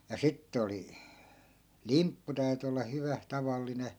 ja sitten oli limppu täytyi olla hyvä tavallinen